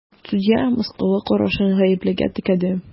Судья мыскыллы карашын гаеплегә текәде.